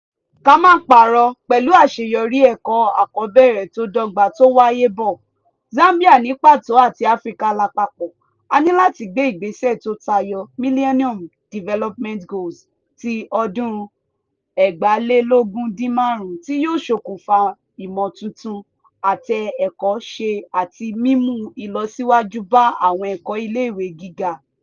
Ká má parọ́, pẹ̀lú àṣeyọrí ẹ̀kọ́ àkọ́bẹ̀rẹ̀ tó dọ́gba tó ń wáyé bọ̀, Zambia ní pàtó àti Áfíríkà lapapọ̀, a ní láti gbé igbese tó tayọ Millennium Development Goals ti ọdún 2015 tí yóò fúnka mọ́ títún àtẹ ẹ̀kọ́ ṣe àti mímú ìlọsíwájú bá àwon ẹ̀kọ́ iléèwé gíga.